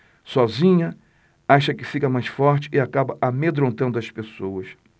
sozinha acha que fica mais forte e acaba amedrontando as pessoas